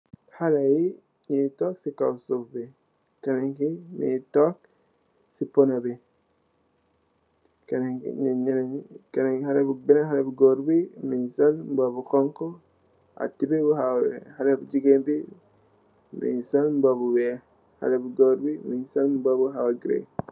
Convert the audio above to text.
Haleh yii njungy tok cii kaw suff bii, kenen kii mungy tok cii pohnoh bii, kenen kii, njenen njii, kenen haleh bu, benen haleh bu gorre bii mungy sol mbuba bu honhu ak tubeiy bu hawah wekh, haleh bu gigain bii mungy sol mbuba bu wekh, haleh bu gorre bii mungy sol mbuba bu hawah green.